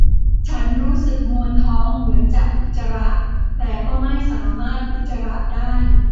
ฉันรู้สึกมวนท้องเหมือนจะอุจจาระแต่ก็ไม่สามารถอุจจาระได้